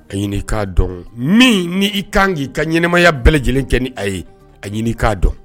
A ɲini i k'a dɔn min ni i kan k'i ka ɲɛnamaya bɛɛ lajɛlen kɛ ni a ye, a ɲini i k'a dɔn